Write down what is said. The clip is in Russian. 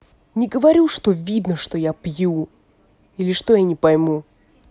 не говорю что видно что я пью или что я не пойму